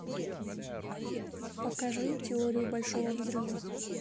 покажи теорию большого взрыва